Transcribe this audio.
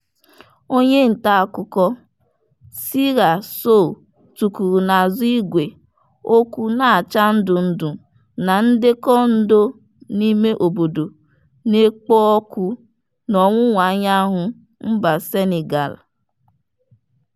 Onye ntaakụkọ, Sira Sow tukwuru n'azụ igwe okwu na-acha ndụ ndụ na ndekọ ndo n'ime obodo na-ekpo ọkụ n'ọwụwaanyanwụ mba Senegal.